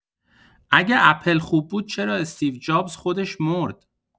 اگه اپل خوب بود چرا استیو جابز خودش مرد؟